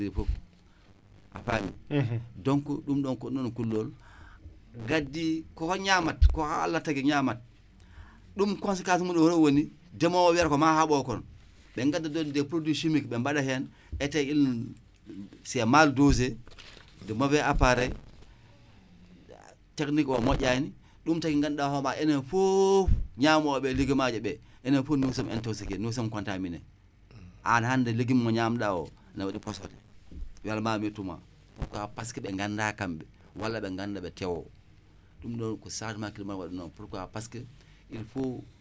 donc